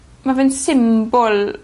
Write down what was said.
ma' fe'n symbol